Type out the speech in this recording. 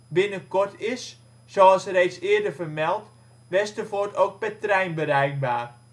Binnenkort is, zoals reeds eerder vermeld, Westervoort ook per trein bereikbaar